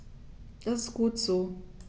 Das ist gut so.